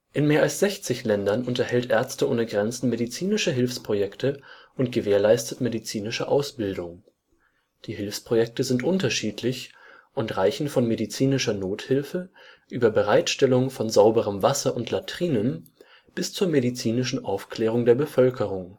In mehr als 60 Ländern unterhält MSF medizinische Hilfsprojekte und gewährleistet medizinische Ausbildung. Die Hilfsprojekte sind unterschiedlich und reichen von medizinischer Nothilfe über Bereitstellung von sauberem Wasser und Latrinen bis zur medizinischen Aufklärung der Bevölkerung